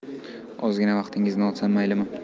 ozgina vaqtingizni olsam maylimi